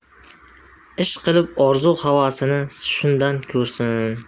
ishqilib orzu havasini shundan ko'rsin